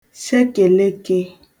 shekèlekē